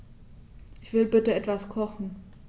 Ich will bitte etwas kochen.